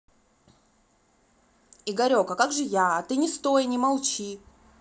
игорек а как же я а ты не стой не молчи